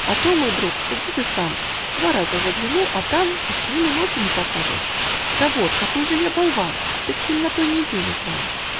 А то, мой друг, суди ты сам: Два раза заглянул, а там Уж к ним и носу не покажешь. Да вот. какой же я болван! Ты к ним на той неделе зван.